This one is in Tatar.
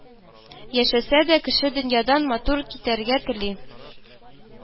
Яшәсә дә, кеше дөньядан матур китәргә тели